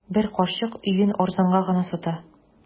Бер карчык өен арзанга гына сата.